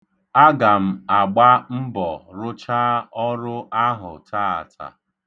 Aga m agba mbọ rụchaa ọrụ ahụ taata.